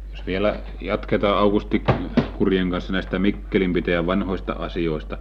jos vielä jatketaan Aukusti Kurjen kanssa näistä Mikkelin pitäjän vanhoista asioista